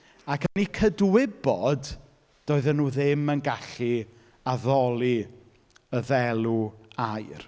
Ac yn eu cydwybod, doedden nhw ddim yn gallu addoli y ddelw aur.